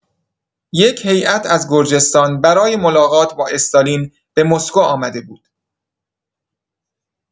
یک هیئت از گرجستان برای ملاقات با استالین به مسکو آمده بود.